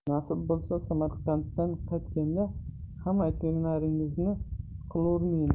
nasib bo'lsa samarqanddan qaytganda hamma aytganlaringizni qilurmen